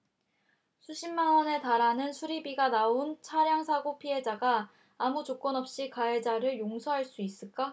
수십만원에 달하는 수리비가 나온 차량사고 피해자가 아무 조건없이 가해자를 용서할 수 있을까